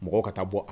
Mɔgɔ ka taa bɔ a